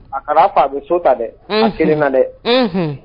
A kalan fa a bɛ so ta dɛ a kelen na dɛ